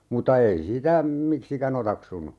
mutta ei sitä miksikään otaksunut